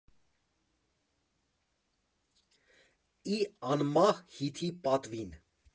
֊ի անմահ հիթի պատվին։